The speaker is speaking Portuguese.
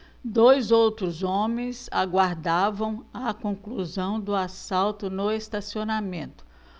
dois outros homens aguardavam a conclusão do assalto no estacionamento